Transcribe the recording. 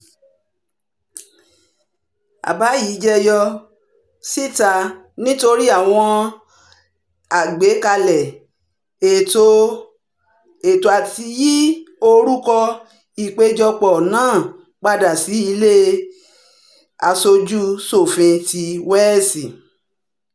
Àbá yìí jeyọ síta nítorí àwọn àgbàkalẹ̀ ètò láti yí orúkọ ìpéjọpọ náà padà sí Ilé Aṣoju-ṣòfin ti Welsh.